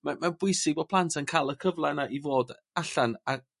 mae mae'n bwysig bo' plant yn ca'l y cyfle 'na i fod allan a